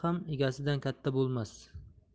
ham egasidan katta bo'lmas